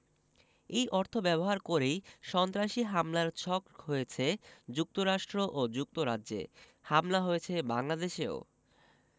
এই অর্থ ব্যবহার করেই সন্ত্রাসী হামলার ছক হয়েছে যুক্তরাষ্ট্র ও যুক্তরাজ্যে হামলা হয়েছে বাংলাদেশেও